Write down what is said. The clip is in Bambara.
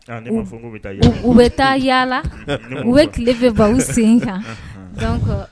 U bɛ taa yaala u bɛ tile bɛ baa sen kan